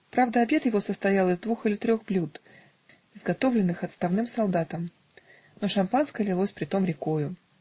Правда, обед его состоял из двух или трех блюд, изготовленных отставным солдатом, но шампанское лилось притом рекою.